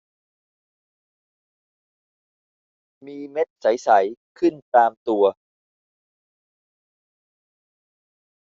มีเม็ดใสใสขึ้นตามตัว